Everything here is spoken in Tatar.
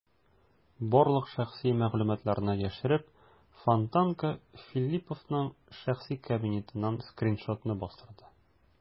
Барлык шәхси мәгълүматларны яшереп, "Фонтанка" Филипповның шәхси кабинетыннан скриншотны бастырды.